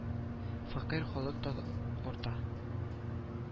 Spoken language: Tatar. Фәкыйрь халык та арта